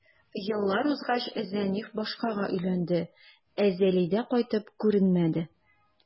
Еллар узгач, Зәниф башкага өйләнде, ә Зәлидә кайтып күренмәде.